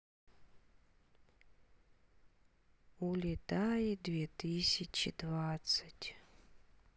улетай две тысячи двадцать